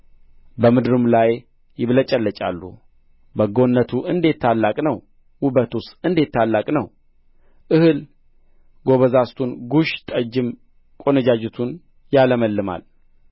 በምድሩም ላይ ይብለጨለጫሉ በጎነቱ እንዴት ታላቅ ነው ውበቱስ እንዴት ታላቅ ነው እህል ጐበዛዝቱን ጉሽ ጠጅም ቈነጃጅቱን ያለመልማል